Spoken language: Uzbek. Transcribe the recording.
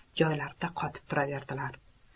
joylarida qotib qolaverdilar